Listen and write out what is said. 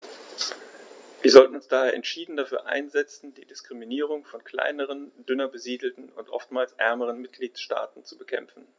Wir sollten uns daher entschieden dafür einsetzen, die Diskriminierung von kleineren, dünner besiedelten und oftmals ärmeren Mitgliedstaaten zu bekämpfen.